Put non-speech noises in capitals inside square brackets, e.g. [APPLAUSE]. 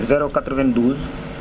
092 [NOISE]